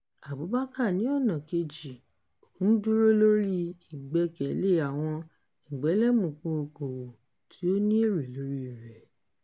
Abubakar, ní ọ̀nà kejì, ń dúró lórí "ìgbẹ́kẹ̀lé" àwọn "ẹgbẹlẹmùkù okòwò tí ó ní èrè lóríi rẹ̀ ".